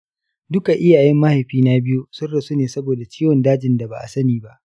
duka iyayen mahaifina biyu sun rasu ne saboda ciwon dajin da ba'a sani ba